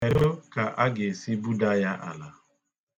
Kedụ ka a ga-esi buda ya ala?